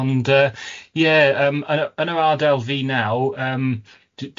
Ond yy ie yym yn y yn yr ardal fi naw' yym d- dw-